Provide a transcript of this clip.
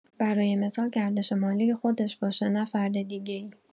برای مثال گردش مالی خودش باشه نه فرد دیگه‌ایی.